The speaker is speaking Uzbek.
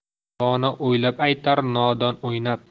dono o'ylab aytar nodon o'ynab